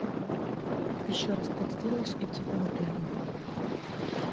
еще раз так сделаешь и тебя удалю